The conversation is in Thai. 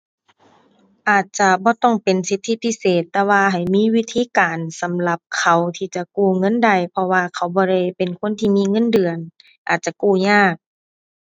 อาจจะบ่ต้องเป็นสิทธิพิเศษ แต่ว่าให้มีวิธีการสำหรับเขาที่จะกู้เงินได้ เพราะว่าเขาบ่ได้เป็นคนที่มีเงินเดือน อาจจะกู้ยาก